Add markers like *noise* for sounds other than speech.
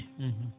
*hesitation* *hesitation*